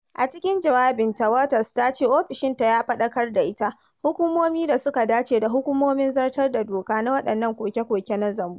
A cikin jawabinta, Waters ta ce ofishinta ya faɗakar da ita "hukumomi da suka dace da hukumomin zartar da doka na waɗannan koke-koke na zambo.